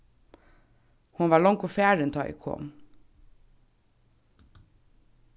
hon var longu farin tá eg kom